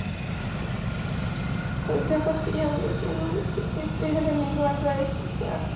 когда как пьяные делаются темперами глаза и сетях